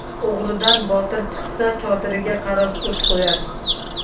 o'g'ridan botir chiqsa chodiriga qarab ot qo'yar